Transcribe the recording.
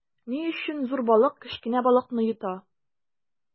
Ни өчен зур балык кечкенә балыкны йота?